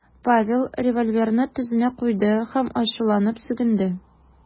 Павел револьверны тезенә куйды һәм ачуланып сүгенде .